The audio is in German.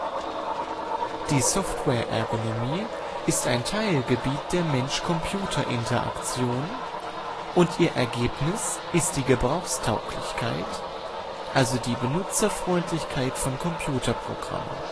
Die SE ist ein Teilgebiet der Mensch-Computer-Interaktion, und ihr Ergebnis ist die Gebrauchstauglichkeit, also die Benutzerfreundlichkeit von Computerprogrammen